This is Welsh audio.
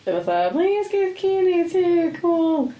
Fatha "plis geith ci ni tŷ cŵl".